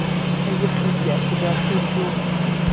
а если я тебя отключу